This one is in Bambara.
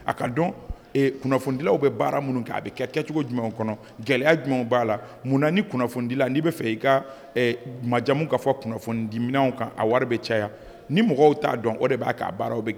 A ka dɔn kunnafonidilaw bɛ baara minnu kɛ a bɛ kɛ kɛcogo jumɛn kɔnɔ gɛlɛya jumɛn b'a la mun kunnafonidila n'i bɛ fɛ i ka majamu kaa fɔ kunnafonidiminw kan a wari bɛ caya ni mɔgɔw t'a dɔn o de b'a ka baaraw bɛ kɛ